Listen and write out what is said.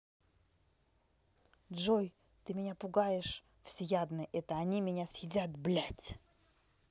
джой ты меня пугаешь всеядный это они меня съедят блядь